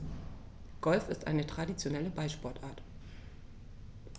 Golf ist eine traditionelle Ballsportart.